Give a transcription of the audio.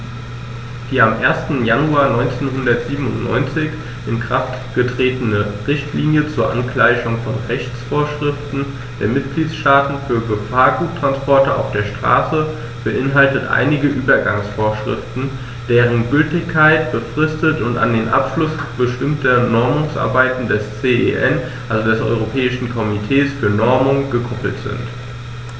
Die am 1. Januar 1997 in Kraft getretene Richtlinie zur Angleichung von Rechtsvorschriften der Mitgliedstaaten für Gefahrguttransporte auf der Straße beinhaltet einige Übergangsvorschriften, deren Gültigkeit befristet und an den Abschluss bestimmter Normungsarbeiten des CEN, also des Europäischen Komitees für Normung, gekoppelt ist.